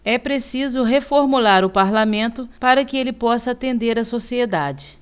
é preciso reformular o parlamento para que ele possa atender a sociedade